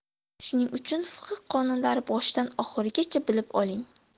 shuning uchun fiqh qonunlarini boshidan oxirigacha bilib oling